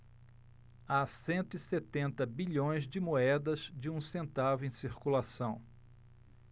há cento e setenta bilhões de moedas de um centavo em circulação